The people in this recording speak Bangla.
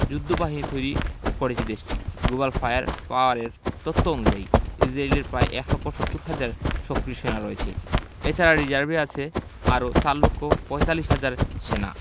যোদ্ধাবাহিনী তৈরি হয়েছে দেশটির গ্লোবাল ফায়ার পাওয়ারের তথ্য অনুযায়ী ইসরায়েলের প্রায় ১ লাখ ৭০ হাজার সক্রিয় সেনা রয়েছে এ ছাড়া রিজার্ভে আছে আরও ৪ লাখ ৪৫ হাজার সেনা